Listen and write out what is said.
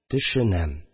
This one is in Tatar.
Төшенәм